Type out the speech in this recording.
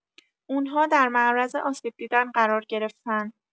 اون‌ها در معرض آسیب دیدن قرار گرفتن